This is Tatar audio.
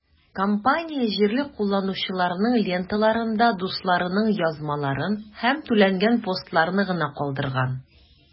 Компания җирле кулланучыларның ленталарында дусларының язмаларын һәм түләнгән постларны гына калдырган.